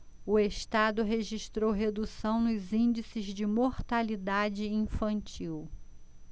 o estado registrou redução nos índices de mortalidade infantil